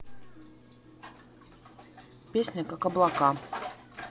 песня как облака